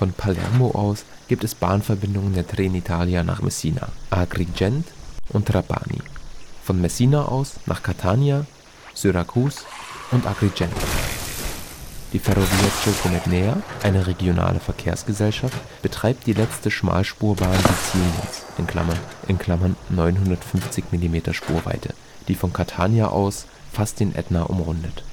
Palermo aus gibt es Bahnverbindungen der Trenitalia nach Messina, Agrigent und Trapani, von Messina aus nach Catania, Syrakus und Agrigent. Die Ferrovia Circumetnea, eine regionale Nahverkehrsgesellschaft, betreibt die letzte Schmalspurbahn Siziliens (950 mm Spurweite), die von Catania aus fast den Ätna umrundet